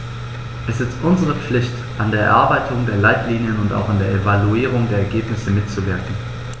Es ist unsere Pflicht, an der Erarbeitung der Leitlinien und auch an der Evaluierung der Ergebnisse mitzuwirken.